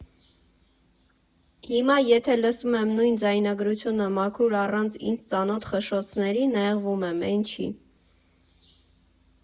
Հիմա եթե լսում եմ նույն ձայնագրությունը մաքուր, առանց ինձ ծանոթ խշշոցների, նեղվում եմ, էն չի։